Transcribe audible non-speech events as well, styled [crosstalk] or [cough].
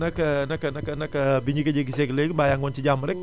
naka [hesitation] naka naka naka [noise] [hesitation] bi ñu gëj a gisee ak [noise] léegi mbaa yaa ngi woon ci jàmm rek [noise]